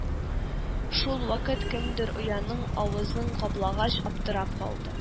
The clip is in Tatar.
Шул вакыт кемдер ояның авызын каплагач, аптырап калды: